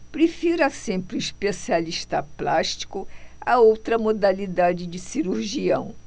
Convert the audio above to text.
prefira sempre um especialista plástico a outra modalidade de cirurgião